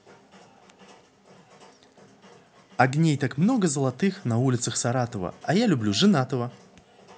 огней так много золотых на улицах саратова а я люблю женатого